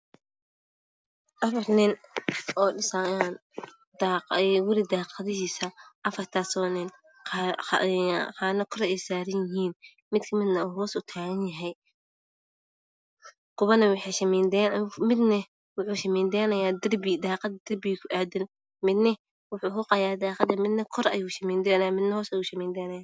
Waa afar nin oo dhisaayo guri daaqadihiisa qaar kor ayay saaran yihiin midna hoos ayuu taagan yahay, mid waxuu shamiitaynaa daaqada mid kor midna hoos.